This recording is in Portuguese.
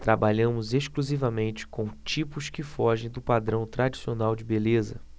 trabalhamos exclusivamente com tipos que fogem do padrão tradicional de beleza